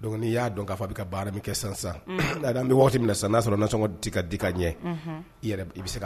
I dɔgɔnin n'i y'a dɔn ka fɔ a bɛka baara min kɛ sisasn sisan, unhun, , n'ɔ bɛ waati min na n'a sɔrɔ nasɔngɔ tɛ ka di ka ɲan, unhun, i yɛrɛ i bɛse ka